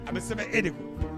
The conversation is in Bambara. An bɛ sɛbɛnbɛ e de kɔ